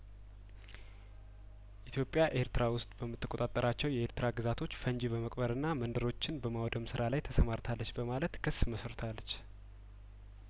ኢትዮጵያ ኤርትራ ውስጥ በም ትቆጣ ጠራቸው የኤርትራ ግዛቶች ፈንጂ በመቅበርና መንደሮችን በማውደም ስራ ላይ ተሰማርታለች በማለት ክስ መስርታለች